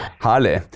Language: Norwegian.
herlig.